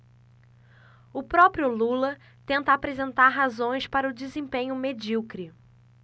o próprio lula tenta apresentar razões para o desempenho medíocre